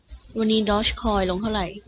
วันนี้ดอร์จคอยลงเท่าไหร่